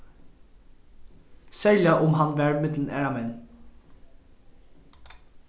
serliga um hann var millum aðrar menn